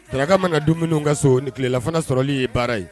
Sarakaraka mankan ka dumuni minnu ka so nin tilelafana sɔrɔli ye baara ye